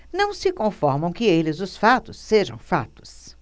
não se conformam que eles os fatos sejam fatos